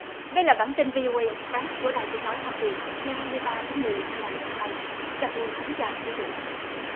đây là bản tin vi âu ây ịch phét của đài tiếng nói hoa kỳ ngày hai mươi ba tháng mười hai ngàn mười hai trà my kính chào quý vị